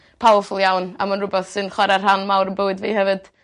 powerful iawn a ma'n rwbeth sy'n chware rhan mawr yn bywyd fi hefyd.